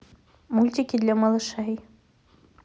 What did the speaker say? мультики для малышей